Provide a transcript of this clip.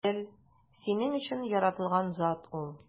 Бел: синең өчен яратылган зат ул!